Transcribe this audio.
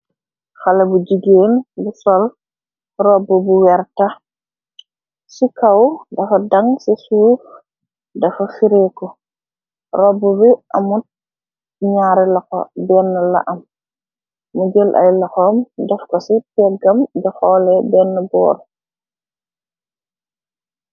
Xxale bu jigeen bi sol robb bu werta , ci kaw dafa daŋg, ci suf dafa xireeku. Robb bi amut ñaare laxo, benn la am mijël ay loxoom def ko ci teggam di xoole denn boor.